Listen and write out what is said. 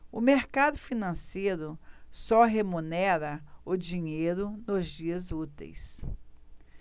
o mercado financeiro só remunera o dinheiro nos dias úteis